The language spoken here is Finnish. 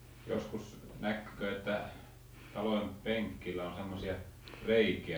joskus näkee että talojen penkeillä on semmoisia reikiä